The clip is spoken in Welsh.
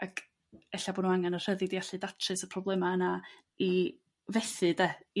Ac e'lla' bo' nhw angan y rhyddid i allu datrys y problema' yna i fethu 'de?